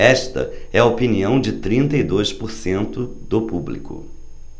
esta é a opinião de trinta e dois por cento do público